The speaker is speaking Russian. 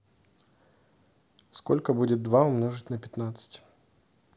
сколько будет два умножить на пятнадцать